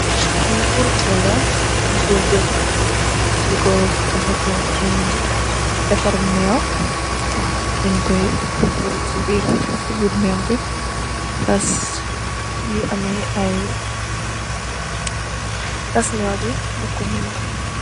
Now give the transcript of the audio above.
Lee furfur la dang kuye jel deku jafaneku se defarr meew waw dang koye furr se birem se birr meew be tess yu ameh aye tass meew be defku mu nooye.